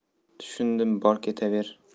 tushundim bor ketaver